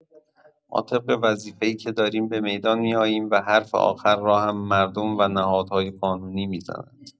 ما طبق وظیفه‌ای که داریم به میدان می‌آییم و حرف آخر را هم مردم و نهادهای قانونی می‌زنند.